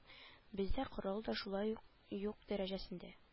Бездә корал да шулай ук юк дәрәҗәсендә